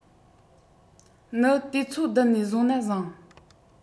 ནི དུས ཚོད བདུན ནས བཟུང ན བཟང